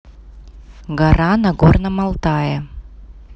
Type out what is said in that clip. гора на горном алтае